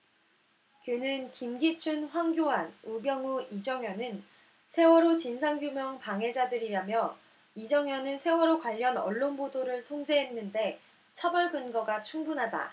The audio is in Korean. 그는 김기춘 황교안 우병우 이정현은 세월호 진상규명 방해자들이다며 이정현은 세월호 관련 언론보도 통제를 했는데 처벌 근거가 충분하다